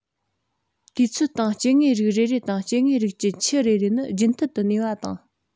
དུས ཚོད སྟེང སྐྱེ དངོས རིགས རེ རེ དང སྐྱེ དངོས རིགས ཀྱི ཁྱུ རེ རེ ནི རྒྱུན མཐུད དུ གནས པ དང